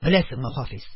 Беләсеңме, Хафиз,